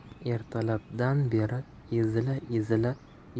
ertalab dan beri ezila ezila